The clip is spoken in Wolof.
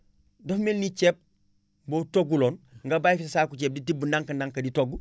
dafa mel ni ceeb boo togguloon nga bàyyi fi saako ceeb di tibb ndànk-ndànk di togg